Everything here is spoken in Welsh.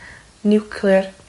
Niwclear.